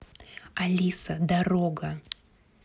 алиса дорога